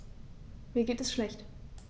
Mir geht es schlecht.